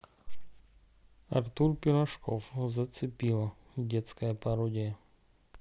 артур пирожков зацепила детская пародия